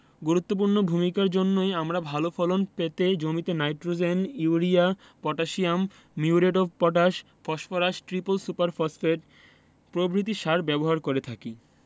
গুরুত্বপূর্ণ ভূমিকার জন্যই আমরা ভালো ফলন পেতে জমিতে nitrogen urea potassium muriate of potash phosphorus triple super phosphate প্রভৃতি সার ব্যবহার করে থাকি